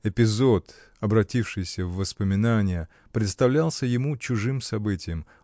Эпизод, обратившийся в воспоминание, представлялся ему чужим событием.